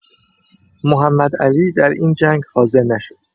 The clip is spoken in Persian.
محمدعلی در این جنگ حاضر نشد.